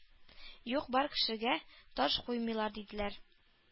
“юк-бар кешегә таш куймыйлар, – диләр,